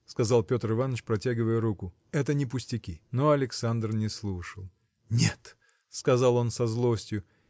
– сказал Петр Иваныч, протягивая руку, – это не пустяки. Но Александр не слушал. – Нет! – сказал он со злостью